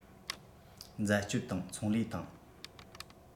འཛད སྤྱོད དང ཚོང ལས དང